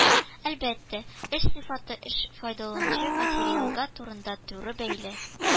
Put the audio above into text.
Әлбәттә, эш сыйфаты эш файдаланучы материалга турыдан-туры бәйле